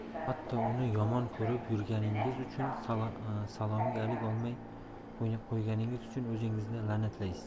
hatto uni yomon ko'rib yurganingiz uchun salomiga alik olmay qo'yganingiz uchun o'zingizni la'natlaysiz